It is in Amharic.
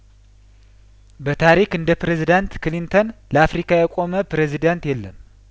በታሪክ እንደ ፕሬዝዳንት ክሊንተን ላፍሪካ የቆመ ፕሬዝዳንት የለም